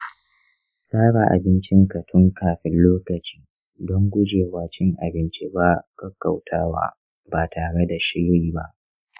tsara abincinka tun kafin lokaci don guje wa cin abinci ba kakkautawa ba tare da shiri ba.